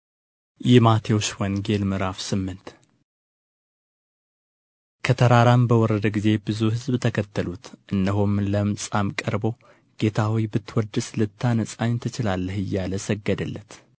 ﻿የማቴዎስ ወንጌል ምዕራፍ ስምንት ከተራራም በወረደ ጊዜ ብዙ ሕዝብ ተከተሉት እነሆም ለምጻም ቀርቦ ጌታ ሆይ ብትወድስ ልታነጻኝ ትችላለህ እያለ ሰገደለት